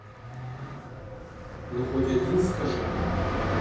ну хоть один скажи